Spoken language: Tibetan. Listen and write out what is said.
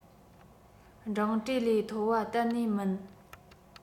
འབྲིང གྲས ལས མཐོ བ གཏན ནས མིན